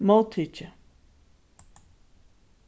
móttikið